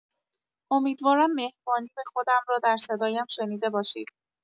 امیدوارم مهربانی به خودم را در صدایم شنیده باشید.